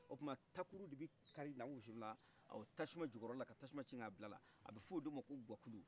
o kuma takuru de bi kari namu bisimila o tasuma jukɔrolala ka tasuma ka tasuma cɛ kabila abi f'odema ko guakulu